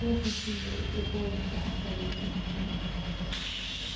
hesin siður er borin frá ættarliði til ættarlið